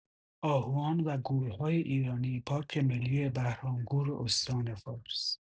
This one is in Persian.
آهوان و گورهای ایرانی، پارک ملی بهرام‌گور استان فارس.